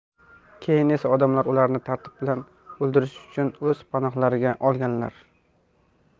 keyin esa odamlar ularni tartib bilan o'ldirish uchun o'z panohlariga olganlar